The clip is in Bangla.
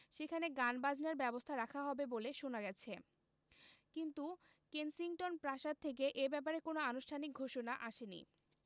সেখানে গানবাজনার ব্যবস্থা রাখা হবে বলে শোনা গেছে কিন্তু কেনসিংটন প্রাসাদ থেকে এ ব্যাপারে কোনো আনুষ্ঠানিক ঘোষণা আসেনি